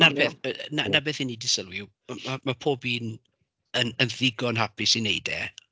'Na'r peth, yy 'na 'na beth 'y ni 'di sylwi yw ma' ma' ma' pob un yn yn ddigon hapus i wneud e.